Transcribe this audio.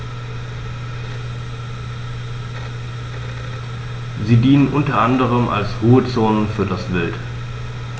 Sie dienen unter anderem als Ruhezonen für das Wild.